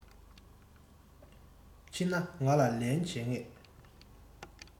ཕྱིན ན ང ལ ལན བྱེད རོགས